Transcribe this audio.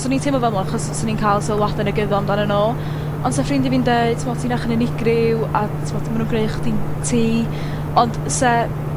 so o'n i'n teimlo fel 'na achos 'swn i'n ca'l sylwade negyddol amdanyn nw. ond 'sa ffrindie fi'n deud t'mod chi'n eych yn unigryw a t'mod ma' nw'n gneu' chdi'n ti, ond 'se